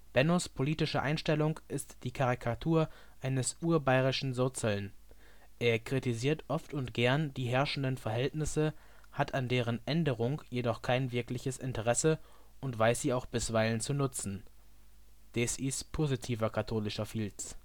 Bennos politische Einstellung ist die Karikatur eines " Urbayerischen Sozl 'n ": Er kritisiert oft und gern die herrschenden Verhältnisse, hat an deren Änderung jedoch kein wirkliches Interesse und weiß sie auch bisweilen zu nutzen ("... des is positiver katholischer Filz